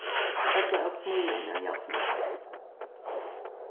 ella at smíða meðan jarnið er heitt